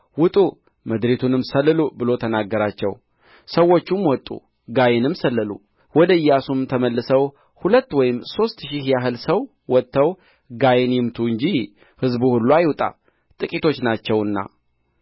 ውጡ ምድሪቱንም ሰልሉ ብሎ ተናገራቸው ሰዎቹም ወጡ ጋይንም ሰለሉ ወደ ኢያሱም ተመልሰው ሁለት ወይም ሦስት ሺህ ያህል ሰው ወጥተው ጋይን ይምቱ እንጂ ሕዝቡ ሁሉ አይውጣ ጥቂቶች ናቸውና